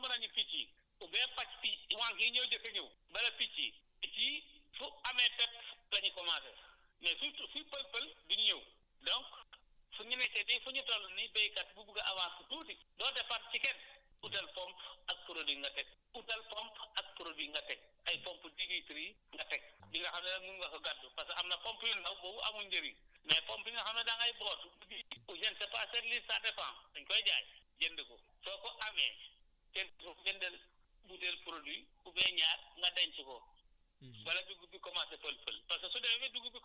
voilà xam nga su nekkee noonu comme ay wànq xam nga romb nañu picc yi oubien faj si wànq yi ñooy njëkk a énëw bala picc yi picc yi su amee pepp la ñuy commencer mais suy suy fël-fël du ñu ñëw donc fu ñu nekkee nii fu ñu toll nii béykat bu bugg a avancer tuuti doo dépendre si kenn utal pompe ak produit nga teg utal pompe ak produit nga teg ay pompes 10 litres yi nga teg li nga xam ne nag mun nga ko gaddu parce que am na pompe yu ndaw boobu amul njëriñ mais pompes yi nga xam ne da ngay bootu ci je ne sais pas quel litre ça dépend dañ koy jaay jënd ko soo ko amee jën jëndal utal produit oubien ñaar nga denc ko